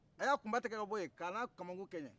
aw y'a kunba tigɛ ka bɔ ye k'a na kamakun kɛɲɛ